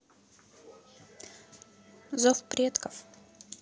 зов предков